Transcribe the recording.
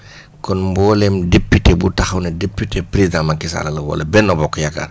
kon mboolem député bu taxaw ne député président Macky Sall la wala Bennoo Bokk Yaakaar